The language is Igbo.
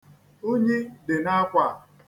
Unyi dị n'akwa a.